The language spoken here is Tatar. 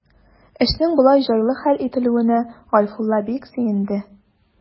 Эшнең болай җайлы хәл ителүенә Гайфулла бик сөенде.